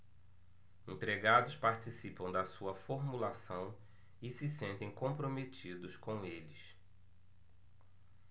empregados participam da sua formulação e se sentem comprometidos com eles